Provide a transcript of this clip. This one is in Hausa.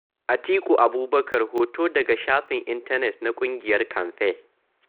Atiku Abubakar [Hoto daga Shafin Intanet na ƙungiyar Kamfe].